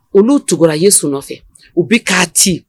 Olu tugula ye sun nɔfɛ u bɛ ka'a ci